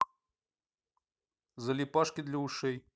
залипашки для ушей